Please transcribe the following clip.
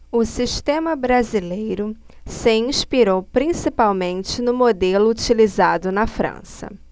o sistema brasileiro se inspirou principalmente no modelo utilizado na frança